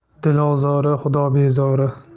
dilozori xudobezori